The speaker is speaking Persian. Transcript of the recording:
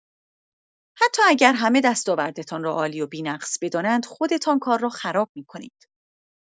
حتی اگر همه دستاوردتان را عالی و بی‌نقص بدانند، خودتان کار را خراب می‌کنید.